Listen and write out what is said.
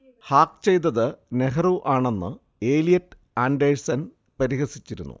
hack ചെയ്തത് നെഹ്റു ആണെന്ന് Elliot Alderson പരിഹസിച്ചിരുന്നു